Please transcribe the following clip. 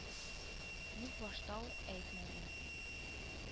Ник башта ук әйтмәдең